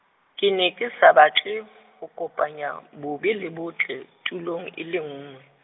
ke ne ke sa batle, ho kopanya, bobe le botle, tulong e le nngwe.